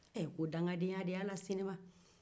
ko dangadenya de y'a lase ne ma